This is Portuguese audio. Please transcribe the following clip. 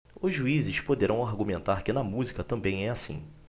os juízes poderão argumentar que na música também é assim